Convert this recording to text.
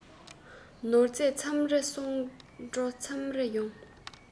ནོར རྗས མཚམས རེ སོང འགྲོ མཚམས རེ ཡོང